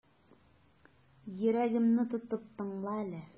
Йөрәгемне тотып тыңла әле.